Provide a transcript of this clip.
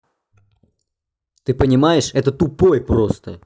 ты понимаешь это тупой просто